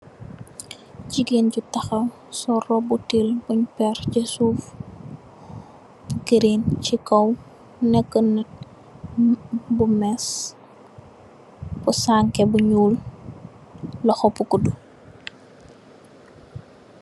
Jigeen ju taxaw sol róbbu til buñ péér ci suuf, green ci kaw nekka nit bu més sanke bu ñuul loxo bu guddu.